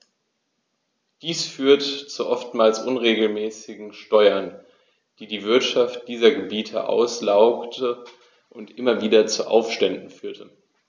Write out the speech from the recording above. Dies führte zu oftmals unmäßigen Steuern, die die Wirtschaft dieser Gebiete auslaugte und immer wieder zu Aufständen führte.